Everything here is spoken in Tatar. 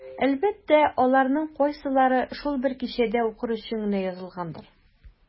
Әлбәттә, аларның кайсылары шул бер кичәдә укыр өчен генә язылгандыр.